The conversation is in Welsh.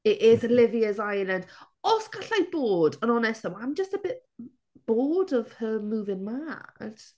It is Olivia's island. Os gallai bod yn onest yma I'm just a bit bored of her moving mad.